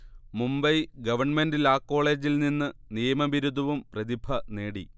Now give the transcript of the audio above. Mumbai government law കോളെജിൽ നിന്ന് നിയമ ബിരുദവും പ്രതിഭ നേടി